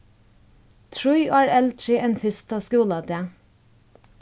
trý ár eldri enn fyrsta skúladag